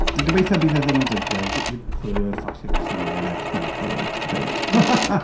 Dwi'n gobeithio bydd e ddim yn digwydd. Pwy â wyr falle gallu nhw ennill. Na they won't, they won't.